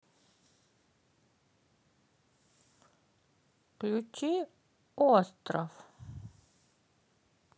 включи остров